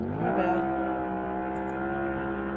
farvæl